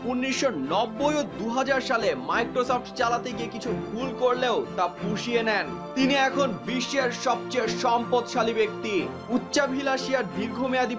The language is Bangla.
১৯৯০ ও ২০০০ সালে মাইক্রোসফট চালাতে গিয়ে কিছু ভুল করলেও তা পুষিয়ে নেন তিনি এখন বিশ্বের সবচেয়ে সম্পদশালী ব্যক্তি উচ্চাভিলাষী আর দীর্ঘমেয়াদী